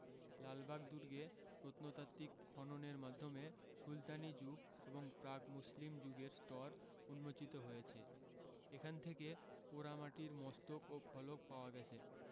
লালবাগ দুর্গে প্রত্নতাত্ত্বিক খননের মাধ্যমে সুলতানি যুগ এবং প্রাক মুসলিম যুগের স্তর উন্মোচিত হয়েছে এখান থেকে পোড়ামাটির মস্তক ও ফলক পাওয়া গেছে